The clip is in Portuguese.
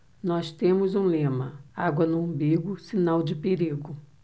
nós temos um lema água no umbigo sinal de perigo